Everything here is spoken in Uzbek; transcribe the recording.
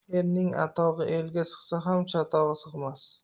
erning atog'i elga sig'sa ham chatog'i sig'mas